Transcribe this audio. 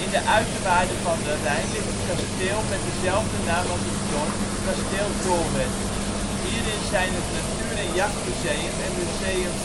de uiterwaarden van de Rijn ligt een kasteel met dezelfde naam als het dorp (Kasteel Doorwerth). Hierin zijn het natuur - en jachtmuseum en Museum